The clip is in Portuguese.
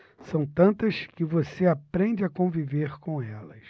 são tantas que você aprende a conviver com elas